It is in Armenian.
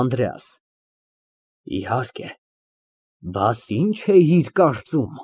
ԱՆԴՐԵԱՍ ֊ Իհարկե, բաս ի՞նչ էիր կարծում։